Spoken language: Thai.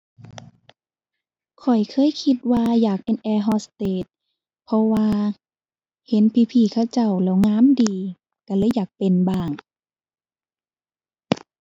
ข้อยเคยคิดว่าอยากเป็นแอร์โฮสเตส เพราะว่าเห็นพี่พี่เขาเจ้าแล้วงามดีก็เลยอยากเป็นบ้าง